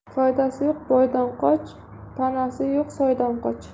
foydasi yo'q boydan qoch panasi yo'q soydan qoch